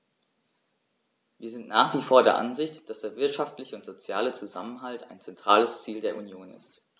Wir sind nach wie vor der Ansicht, dass der wirtschaftliche und soziale Zusammenhalt ein zentrales Ziel der Union ist.